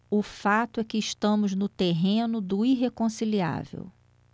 o fato é que estamos no terreno do irreconciliável